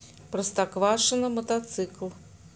простоквашино мотоцикл